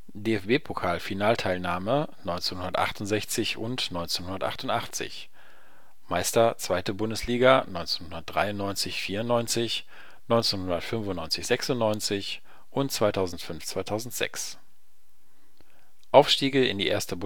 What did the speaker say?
DFB-Pokal-Finalteilnahme: 1968 und 1988 Meister 2. Bundesliga 1993 / 1994, 1995 / 96 und 2005/06 Aufstiege in die Erste Bundesliga